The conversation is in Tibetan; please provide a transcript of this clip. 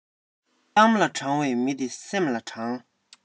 གཏམ ལ དྲང བའི མི དེ སེམས ལ དྲང